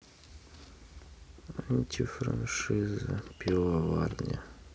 антифраншиза пивоварня